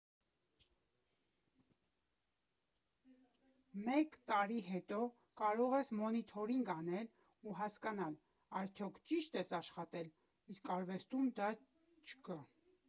Մեկ տարի հետո կարող ես մոնիթորինգ անել ու հասկանալ՝ արդյոք ճի՞շտ ես աշխատել, իսկ արվեստում դա չկա։